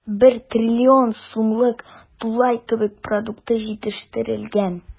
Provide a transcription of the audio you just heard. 1 трлн сумлык тулай төбәк продукты җитештерелгән.